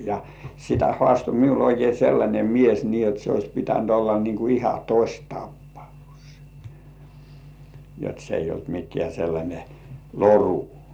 ja sitä haastoi minulle oikein sellainen mies niin jotta se olisi pitänyt olla niin kuin ihan tositapaus jotta se ei ollut mikään sellainen loru